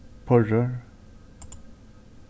purrur